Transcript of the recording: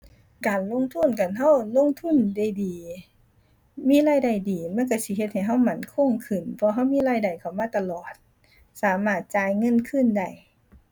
การลงทุนคันเราลงทุนได้ดี มีรายได้ดีมันเราสิเฮ็ดให้เรามั่นคงขึ้น เพราะเรามีรายได้เข้ามาตลอด สามารถจ่ายเงินคืนได้